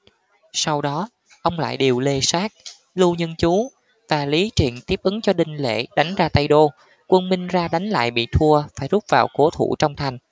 sau đó ông lại điều lê sát lưu nhân chú và lý triện tiếp ứng cho đinh lễ đánh ra tây đô quân minh ra đánh lại bị thua phải rút vào cố thủ trong thành